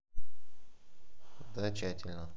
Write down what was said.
да чательно